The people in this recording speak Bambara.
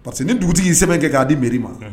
Parceri que ni dugutigi in sɛbɛnmɛ kɛ k'a di mi ma